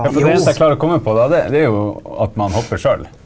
ja for det eneste jeg klarer å komme på da det det er jo at man hopper sjøl.